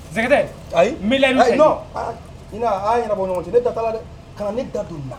Sɛgɛte; Ayi, ; non a y'a ɲɛnabɔ ɲɔgɔn cɛ ,ne da t'a la dɛ. Ka ne da don ni la.